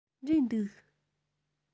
འབྲས འདུག